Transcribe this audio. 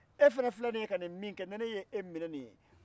e fɛnɛ filɛ nin ye ka nin men kɛ n'a ne ye e minɛ ni nin ye